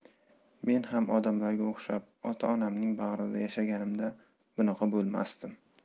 men ham odamlarga o'xshab ota onamning bag'rida yashaganimda bunaqa bo'lmasdim